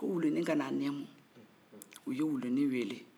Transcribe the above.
ko wuluni ka n'a nɛɛmu u ye wuluni weele